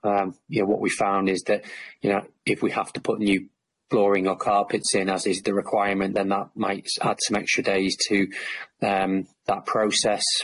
Erm, yeah what we found is that you know if we have to put new flooring or carpets in as is the requirement, then that might s- add some extra days to erm that process